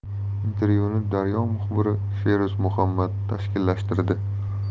intervyuni daryo muxbiri feruz muhammad tashkillashtirdi